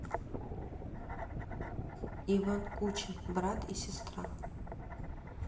иван кучин брат и сестра